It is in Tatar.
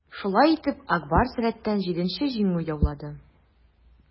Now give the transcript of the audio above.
Шулай итеп, "Ак Барс" рәттән җиденче җиңү яулады.